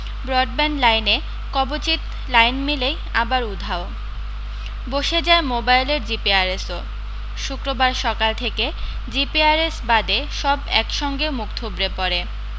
broadband লাইনে কবচিত line মিলেই আবার উধাও বসে যায় মোবাইলের জিপিআরেসও শুক্রবার সকাল থেকে জিপিআরেস বাদে সব একসঙ্গে মুখ থুবড়ে পড়ে